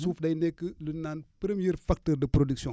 suuf day nekk lu ñu naan première facteur de production